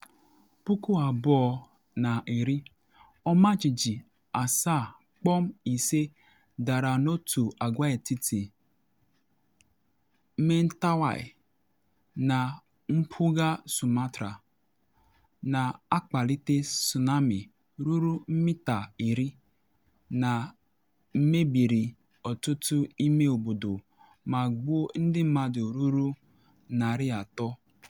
2010: Ọmajiji 7.5 dara n’otu agwaetiti Mentawai, na mpụga Sumatra, na akpalite tsunami ruru mita 10 nke mebiri ọtụtụ ime obodo ma gbuo ndị mmadụ ruru 300.